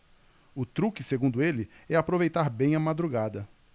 o truque segundo ele é aproveitar bem a madrugada